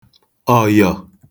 ọ̀yọ̀